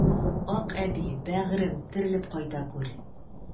Акъәби, бәгырем, терелеп кайта күр!